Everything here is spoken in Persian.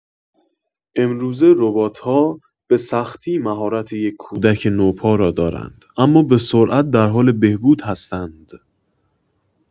امروزه ربات‌ها به‌سختی مهارت یک کودک نوپا را دارند، اما به‌سرعت در حال بهبود هستند.